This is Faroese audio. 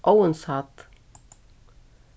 óðinshædd